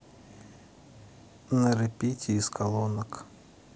на репите из колонок